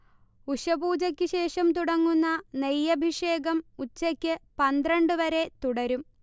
ഉഷഃപൂജക്കുശേഷം തുടങ്ങുന്ന നെയ്യഭിഷേകം ഉച്ച്ക്ക് പന്ത്രണ്ട് വരെ തുടരും